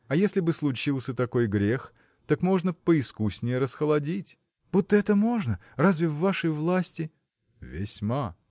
а если б и случился такой грех, так можно поискуснее расхолодить. – Будто это можно? разве в вашей власти. – Весьма.